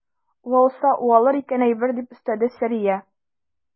Уалса уалыр икән әйбер, - дип өстәде Сәрия.